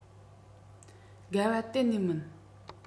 དགའ བ གཏན ནས མིན